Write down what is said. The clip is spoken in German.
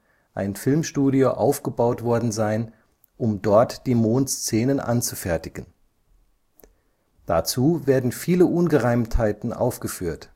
ein Filmstudio aufgebaut worden sein, um dort die Mondszenen anzufertigen. Dazu werden viele Ungereimtheiten aufgeführt